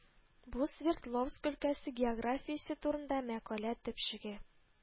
Бу Свердловск өлкәсе географиясе турында мәкалә төпчеге